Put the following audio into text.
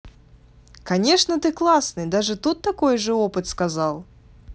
конечно ты классный даже тут такой же опыт сказал